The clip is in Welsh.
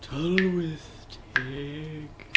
Tylwyth teg.